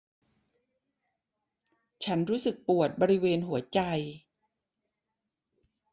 ฉันรู้สึกปวดบริเวณหัวใจ